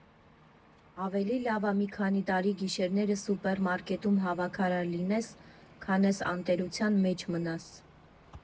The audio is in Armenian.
Ավելի լավ ա՝ մի քանի տարի գիշերները սուպերմարկետում հավաքարար լինես, քան էս անտերության մեջ մնաս։